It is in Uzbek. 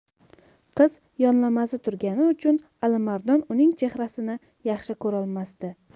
qiz yonlamasi turgani uchun alimardon uning chehrasini yaxshi ko'rolmasdi